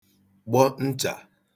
gbọ nchà